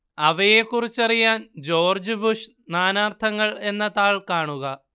അവയെക്കുറിച്ചറിയാന് George Bush നാനാർത്ഥങ്ങൾ എന്ന താൾ കാണുക